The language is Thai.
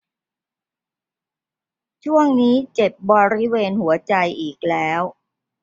ช่วงนี้เจ็บบริเวณหัวใจอีกแล้ว